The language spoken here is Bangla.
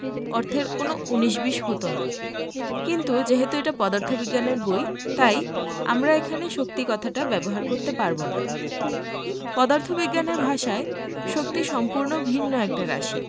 অর্থের কোনো উনিশ বিশ হতো না কিন্তু যেহেতু এটা পদার্থবিজ্ঞানের বই তাই আমরা এখানে শক্তি কথাটা ব্যবহার করতে পারব না পদার্থবিজ্ঞানের ভাষায় শক্তি সম্পূর্ণ ভিন্ন একটা রাশি